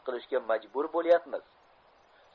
sud qilishga majbur bo'lyapmiz